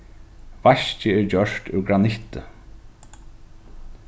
vaskið er gjørt úr granitti